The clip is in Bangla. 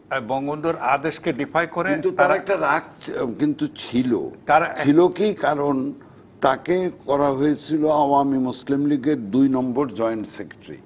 বঙ্গবন্ধুর আদেশ কে ডিফাই করে কিন্তু তার একটা রাগ কিন্তু ছিল ছিল কি তাকে করা হয়েছিল আওয়ামী মুসলিম লীগের দুই নম্বর জয়েন্ট সেক্রেটারি